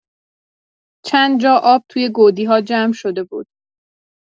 چند جا آب توی گودی‌ها جمع شده بود.